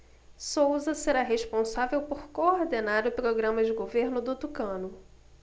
souza será responsável por coordenar o programa de governo do tucano